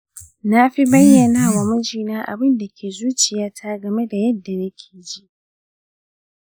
na fi bayyana wa mijina abinda ke zuciyata game da yadda nake ji.